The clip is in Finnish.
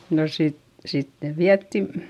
no sitten sitten vietiin